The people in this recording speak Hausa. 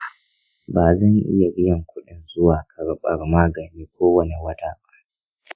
ba zan iya biyan kuɗin zuwa karɓar magani kowane wata ba.